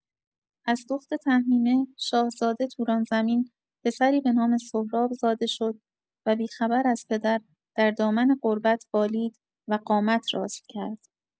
از دخت تهمینه، شاهزاده توران‌زمین، پسری به نام سهراب زاده شد و بی‌خبر از پدر، در دامن غربت بالید و قامت راست کرد.